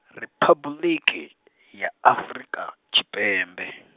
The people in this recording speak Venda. Riphabuḽiki, ya Afrika, Tshipembe.